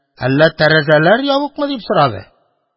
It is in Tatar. Әллә тәрәзәләр ябыкмы? – дип сорады.